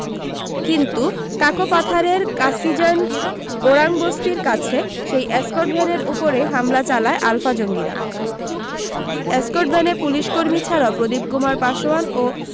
কিন্তু কাকোপাথারের কাসিজান ওরাংবস্তীর কাছে সেই এসকর্ট ভ্যানের উপরেই হামলা চালায় আলফা জঙ্গিরা এসকর্ট ভ্যানে পুলিশ কর্মী ছাড়াও প্রদীপ কুমার পাসোয়ান ও